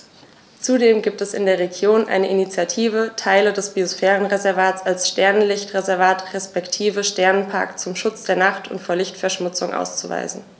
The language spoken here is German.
Zudem gibt es in der Region eine Initiative, Teile des Biosphärenreservats als Sternenlicht-Reservat respektive Sternenpark zum Schutz der Nacht und vor Lichtverschmutzung auszuweisen.